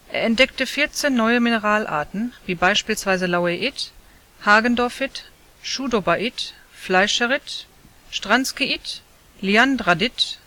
entdeckte 14 neue Mineralarten wie beispielsweise Laueit, Hagendorfit, Chudobait, Fleischerit, Stranskiit, Liandradit